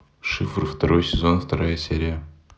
шифр второй сезон вторая серия